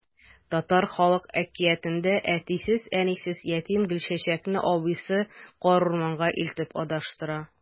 Татар халык әкиятендә әтисез-әнисез ятим Гөлчәчәкне абыйсы карурманга илтеп адаштыра.